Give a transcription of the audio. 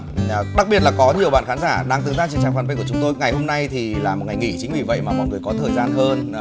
là đặc biệt là có nhiều bạn khán giả đang tương tác trên trang phan pết của chúng tôi ngày hôm nay thì là một ngày nghỉ chính vì vậy mà mọi người có thời gian hơn